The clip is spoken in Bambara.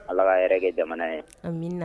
Ala'a yɛrɛ kɛ jamana ye